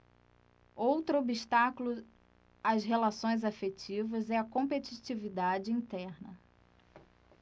outro obstáculo às relações afetivas é a competitividade interna